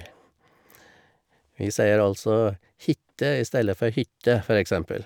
Vi sier altså hitte istedenfor hytte, for eksempel.